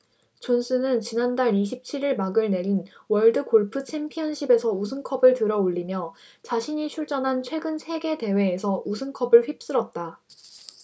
존슨은 지난달 이십 칠 일 막을 내린 월드골프챔피언십에서 우승컵을 들어 올리며 자신이 출전한 최근 세 개 대회에서 우승컵을 휩쓸었다